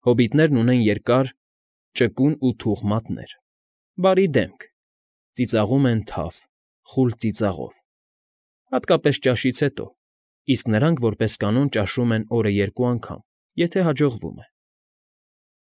Հոբիտներն ունեն երկար ճկուն ու թուխ մատներ, բարի դեմք, ծիծաղում են թավ, խուլ ծիծաղով (հատկապես ճաշից հետո, իսկ նրանք, որպես կանոն, ճաշում են օրը երկու անգամ, եթե հաջողվում է)։